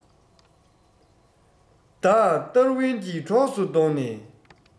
བདག ཏར ཝུན གྱི གྲོགས སུ བསྡོངས ནས